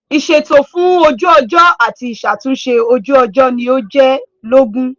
Ìṣẹ̀tọ́ fún ojú-ọjọ́ àti ìṣàtúnṣe ojú-ọjọ́ ni ó jẹ ẹ́ lógún.